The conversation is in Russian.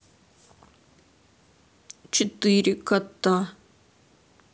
четыре кота